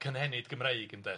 cynhenid Gymreig ynde?